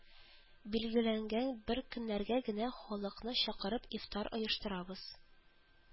Билгеләнгән бер көннәргә генә халыкны чакырып ифтар оештырабыз